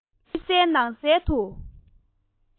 ཕྱི གསལ ནང གསལ དུ